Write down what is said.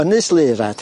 Ynys Leurad.